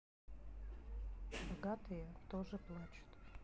богатые тоже плачут